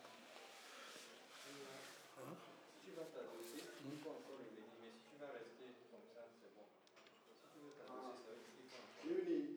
xxxx xxxx